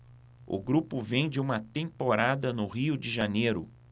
o grupo vem de uma temporada no rio de janeiro